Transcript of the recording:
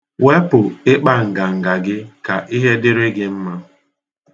Wepụ ịkpa nganga gị ka ihe dịrị gi mma.